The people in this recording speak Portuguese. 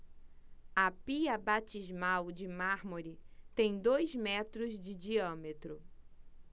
a pia batismal de mármore tem dois metros de diâmetro